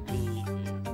Jigi